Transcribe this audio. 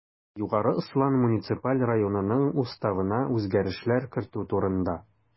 Югары Ослан муниципаль районынның Уставына үзгәрешләр кертү турында